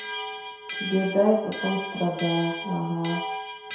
тебе дай потом страдай ага